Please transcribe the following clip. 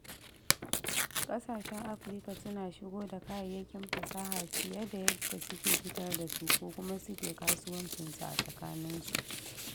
ƙasashen Afirka suna shigo da kayayyakin fasaha fiye da yadda suke fitar da su ko kuma suke kasuwancinsu a tsakaninsu.